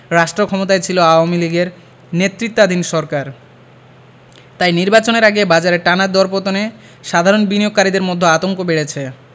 রাষ্ট্রক্ষমতায় ছিল আওয়ামী লীগের নেতৃত্বাধীন সরকার তাই নির্বাচনের আগে বাজারের টানা দরপতনে সাধারণ বিনিয়োগকারীদের মধ্যে আতঙ্ক বেড়েছে